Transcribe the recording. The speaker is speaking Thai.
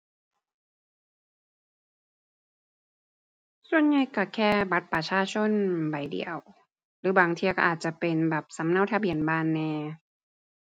ส่วนใหญ่ก็แค่บัตรประชาชนใบเดียว หรือบางเที่ยก็อาจจะเป็นแบบสำเนาทะเบียนบ้านแหน่